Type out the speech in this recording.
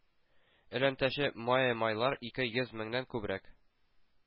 Элемтәче маэмайлар ике йөз меңнән күбрәк